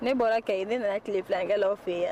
Ne bɔra kɛ yen ne nana tilefikɛlaw fɛ yan